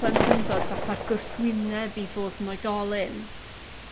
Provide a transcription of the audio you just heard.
plentyndod fatha'r gwrthwyneb i fod 'n oedolyn.